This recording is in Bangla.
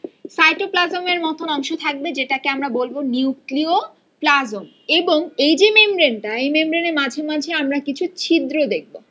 সাইটোপ্লাজমের মত অংশ থাকবে যেটা কে আমরা বলবো নিউক্লিয় প্লাজম এবং এই যে মেমব্রেন টা এই মেমব্রেনের মাঝে মাঝে ছিদ্র দেখবো